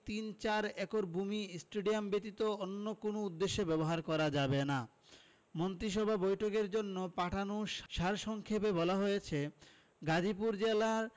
তিন চার একর ভূমি স্টেডিয়াম ব্যতীত অন্য কোনো উদ্দেশ্যে ব্যবহার করা যাবে না মন্ত্রিসভা বৈঠকের জন্য পাঠানো সার সংক্ষেপে বলা হয়েছে গাজীপুর জেলার